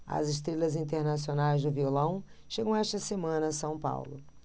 as estrelas internacionais do violão chegam esta semana a são paulo